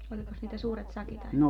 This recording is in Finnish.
olikos niitä suuret sakit aina